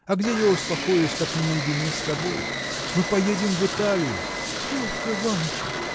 а где я успокоюсь, как не наедине с тобой?. Мы поедем в Италию. – Петр Иваныч!